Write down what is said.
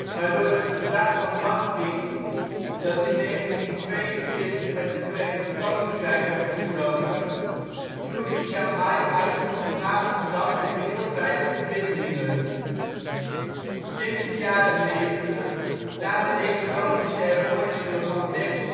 maar door het Verdrag van Nanking dat in 1842 met het Verenigd Koninkrijk werd gesloten, groeide Shanghai uit tot een havenstad met wereldwijde verbindingen. Sinds de jaren ' 90, na de economische hervormingen van Deng